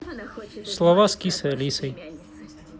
слова с кисой алисой